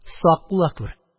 Сак була күр.